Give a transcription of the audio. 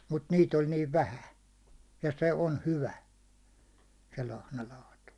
mutta niitä oli niin vähän ja se on hyvä se lahnalaatu